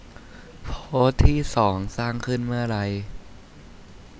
โพสต์ที่สองสร้างขึ้นเมื่อไร